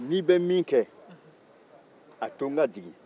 n'i bɛ min kɛ to n ka jigin